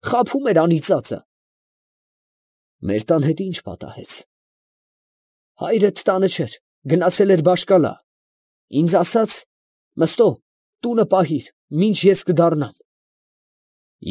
Խաբում էր անիծածը։ ֊ Մեր տան հետ ի՞նչ պատահեց։ ֊ Հայրդ տանը չէր, գնացել էր Բաշ֊Կալա, ինձ ասաց. ֊ Մըստո, տունը պահիր, մինչև ես կդառնամ ։